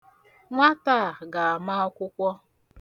Nwata a ga-ama akwụkwọ.